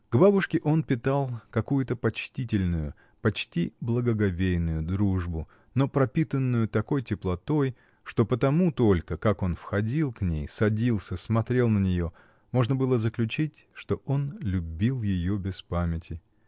К бабушке он питал какую-то почтительную, почти благоговейную дружбу, но пропитанную такой теплотой, что по тому только, как он входил к ней, садился, смотрел на нее, можно было заключить, что он любил ее без памяти.